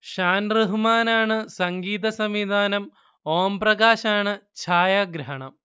ഷാൻ റഹ്മാനാണ് സംഗീതസംവിധാനം, ഓം പ്രകാശാണ് ഛായാഗ്രാഹണം